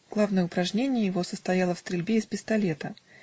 Главное упражнение его состояло в стрельбе из пистолета.